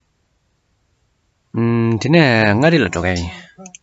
དེ ནས མངའ རིས ལ འགྲོ གི ཡིན